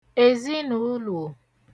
èzinụ̀ụlò